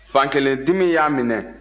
fankelendimi y'a minɛ